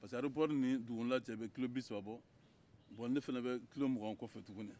parce que pankurunjiginyɔrɔ ni dugukɔnɔ la cɛ bɛ kilo bisaba bɔ bon ne fana bɛ kilo mugan kɔfɛ tugunni